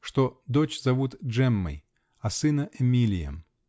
что дочь зовут Джеммой, а сына -- Эмилием